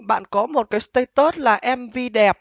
bạn có một cái sờ tây tớt là em vi đẹp